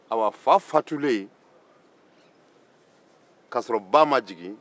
awa fa fatulen k'a sɔrɔ ba majigi